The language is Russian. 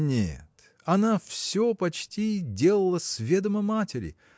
Нет, она все почти делала с ведома матери!